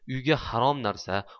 uyiga harom narsa